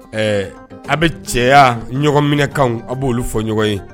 Ɛɛ a bɛ cɛya ɲɔgɔnminakan aw b' olu fɔ ɲɔgɔn ye